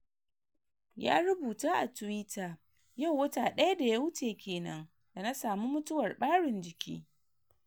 Ya rubuta a Twitter: “Yau wata daya da ya wuce kenen da na samu mutuwar barin jiki.